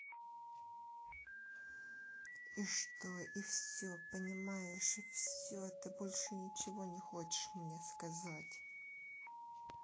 и что и все понимаешь и все ты больше ничего не хочешь мне сказать